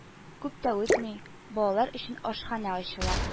Күп тә үтми, балалар өчен ашханә ачыла